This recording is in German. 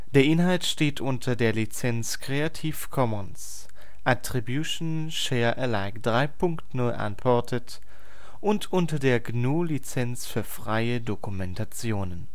Inhalt steht unter der Lizenz Creative Commons Attribution Share Alike 3 Punkt 0 Unported und unter der GNU Lizenz für freie Dokumentation